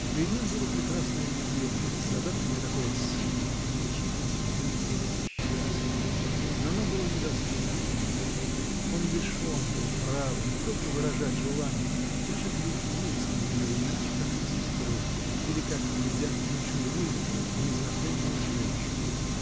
Перед ним было прекрасное явление, с задатками такого сильного, мучительного, безумного счастья, но оно было недоступно ему: он лишен был права не только выражать желания, даже глядеть на нее иначе как на сестру или как глядят на чужую, незнакомую женщину.